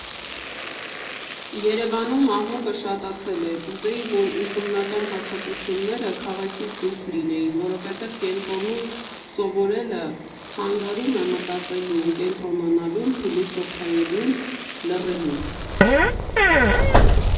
Երևանում աղմուկը շատացել է, կուզեի, որ ուսումնական հաստատությունները քաղաքից դուրս լինեին, որովհետև կենտրոնում սովորելը խանգարում է մտածելուն, կենտրոնանալուն, փիլիսոփայելուն, լռելուն։